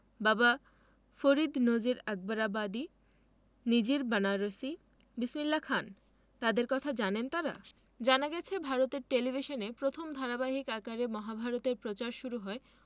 বাবা ফরিদ নজির আকবরাবাদি নিজির বানারসি বিসমিল্লা খান তাঁদের কথা জানেন তাঁরা জানা গেছে ভারতের টেলিভিশনে প্রথম ধারাবাহিক আকারে মহাভারত এর প্রচার শুরু হয়